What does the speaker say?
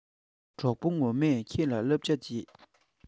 གྲོགས པོ ངོ མས ཁྱེད ལ སླབ བྱ བྱེད